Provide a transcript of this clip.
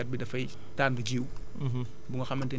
boobu baykat bi dafay tànn jiw